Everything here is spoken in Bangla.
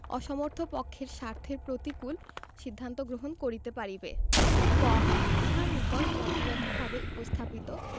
অসমর্থ পক্ষের স্বার্থের প্রতিকুল সিদ্ধান্ত গ্রহণ করিতে পারিবে গ উহার নিকট যথাযথভাবে উপস্থাপিত